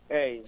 eeyi